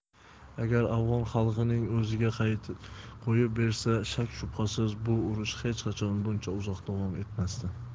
agar afg'on xalqining o'ziga qo'yib bersa shak shubhasiz bu urush hech qachon buncha uzoq davom etmasdi